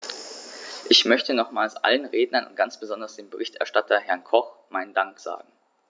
Ich möchte nochmals allen Rednern und ganz besonders dem Berichterstatter, Herrn Koch, meinen Dank sagen.